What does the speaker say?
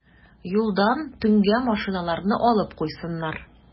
Юлдан төнгә машиналарны алып куйсыннар.